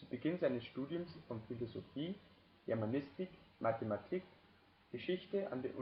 Beginn seines Studiums von Philosophie, Germanistik, Mathematik, Geschichte an